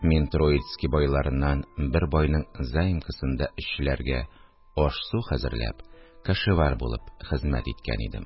Мин Троицки байларыннан бер байның заимкасында эшчеләргә аш-су хәзерләп, кашевар булып хезмәт иткән идем